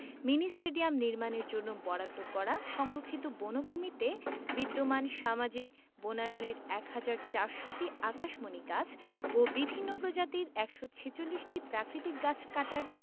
mini stadium নির্মাণের জন্য বরাদ্দ করা সংরক্ষিত বনভূমিতে বিদ্যমান সামাজিক বনায়নের ১ হাজার ৪০০টি আকাশমণি গাছ ও বিভিন্ন প্রজাতির ১৪৬টি প্রাকৃতিক গাছ কাটার